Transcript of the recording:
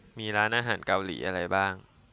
มีร้านอาหารเกาหลีอะไรบ้าง